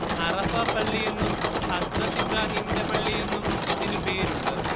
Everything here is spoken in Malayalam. അറഫാ പള്ളിയെന്നും ഹസ്രത്ത് ഇബ്രാഹീമിന്റെ പള്ളിയെന്നും ഇതിനു പേരുണ്ട്